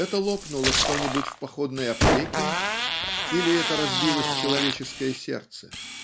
это лопнуло что-нибудь в походной аптеке или это разбилось человеческое сердце?.